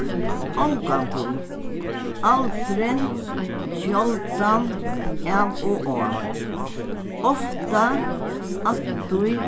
ongantíð aldrin sjáldan av og á ofta altíð